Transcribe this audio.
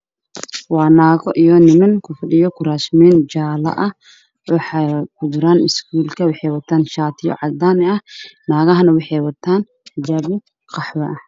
Waa naago iyo ninman ku fadhiyo kuraas